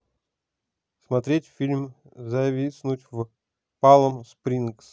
смотреть фильм зависнуть в палм спрингс